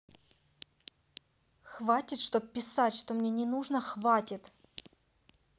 хватит чтоб писать что мне не нужно хватит